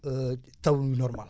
taw yu normal